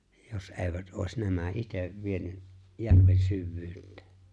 jos eivät olisi nämä itse vienyt järven syvyyteen